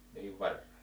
niin varhain